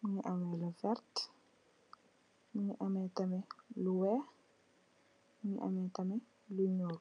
muge ameh lu verte muge ameh tamin lu weex muge ameh tamin lu nuul.